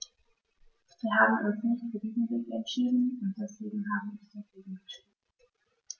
Wir haben uns nicht für diesen Weg entschieden, und deswegen habe ich dagegen gestimmt.